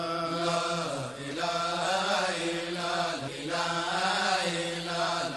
Sanunɛla la lela